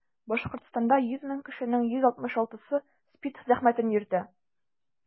Башкортстанда 100 мең кешенең 166-сы СПИД зәхмәтен йөртә.